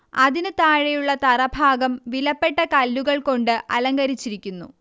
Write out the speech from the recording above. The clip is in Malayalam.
അതിനു താഴെയുള്ള തറ ഭാഗം വിലപ്പെട്ട കല്ലുകൾ കൊണ്ട് അലങ്കരിച്ചിരിക്കുന്നു